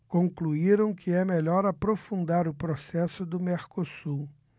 concluíram que é melhor aprofundar o processo do mercosul